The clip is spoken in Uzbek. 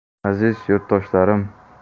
aziz yurtdoshlarim